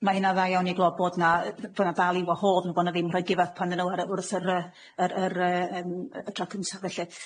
Ma' hynna'n dda iawn i glwad bod 'na yy f- bo' 'na dal i wahodd nhw bo' 'na ddim rhoi give up arnyn nhw ar y wrth yr yy yr yr yym yy tro cynta felly.